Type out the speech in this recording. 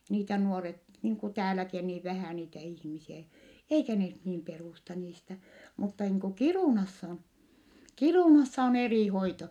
- niitä nuoret niin kuin täälläkin on niin vähän niitä ihmisiä eikä ne nyt niin perusta niistä mutta niin kuin Kiirunassa Kiirunassa on eri hoito